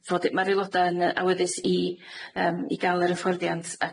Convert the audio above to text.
fod... Ma'r aeloda' yn yy awyddus i yym i ga'l yr hyfforddiant ac-